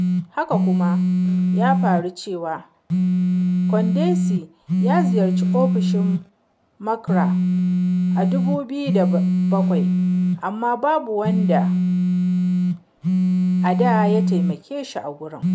Haka kuma, ya faru cewa, Kondesi ya ziyarci ofisoshin MACRA a 2007, amma babu wanda a da ya taimake shi a wurin